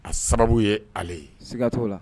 A sababu ye ale ye sigakacogo la